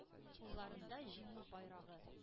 Кулларында җиңү байрагы.